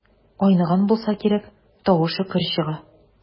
Айныган булса кирәк, тавышы көр чыга.